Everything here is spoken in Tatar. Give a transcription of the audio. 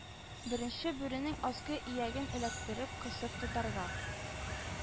Беренче бүренең аскы ияген эләктереп, кысып тотарга